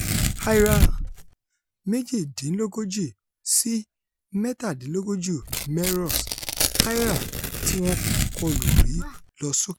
Ayr 38 - 17 Melrose: Ayr tíwọn kòlù rí lọ sóke